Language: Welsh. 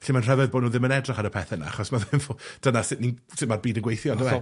'lly ma'n rhyfedd bo' nw ddim yn edrych ar y pethe 'na, achos ma' dyna sut ni'... sut ma'r byd yn gweithio yndyw e?